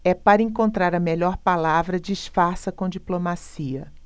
é para encontrar a melhor palavra disfarça com diplomacia